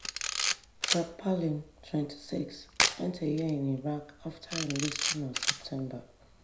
Track Palin, 26, spent a year in Iraq after enlisting on Sept.